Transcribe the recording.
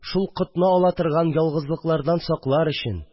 Шул котны ала торган ялгызлыклардан саклар өчен,